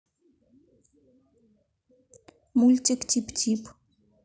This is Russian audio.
мультик тип тип